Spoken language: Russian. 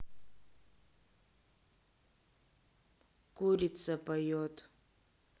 курица поет